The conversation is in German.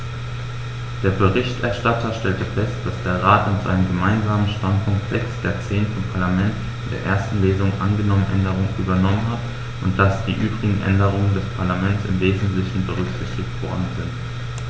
Der Berichterstatter stellte fest, dass der Rat in seinem Gemeinsamen Standpunkt sechs der zehn vom Parlament in der ersten Lesung angenommenen Änderungen übernommen hat und dass die übrigen Änderungen des Parlaments im wesentlichen berücksichtigt worden sind.